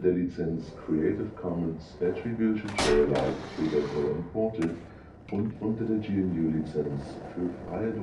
Lizenz Creative Commons Attribution Share Alike 3 Punkt 0 Unported und unter der GNU Lizenz für freie Dokumentation